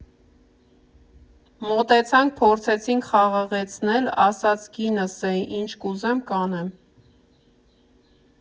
Մոտեցանք, փորձեցինք խաղաղեցնել, ասաց՝ կինս է, ինչ կուզեմ, կանեմ։